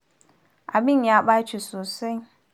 Abin ya ɓaci sosai.